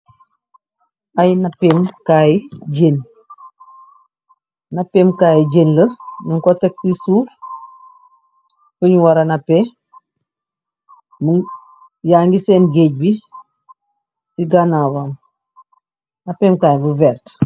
Ay napeemkaay jén napeemkaay jënla nuñ kotak ci suuf fuñ wara napee mu yaa ngi seen géej bi ci ganawaan napeemkaay bu verte.